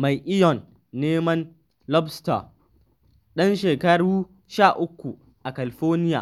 mai iyon neman lobster ɗan shekaru 13 a California